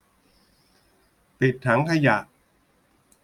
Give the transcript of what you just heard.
ปิดถังขยะ